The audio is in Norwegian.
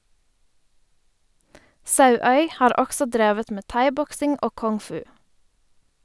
Sauøy har også drevet med thaiboksing og kung-fu.